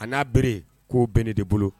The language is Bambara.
A n'a bi k'o bɛn ne de bolo